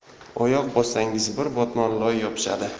oyoq bossangiz bir botmon loy yopishadi